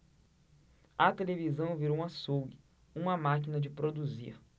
a televisão virou um açougue uma máquina de produzir